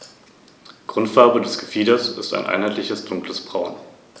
Damit beherrschte Rom den gesamten Mittelmeerraum.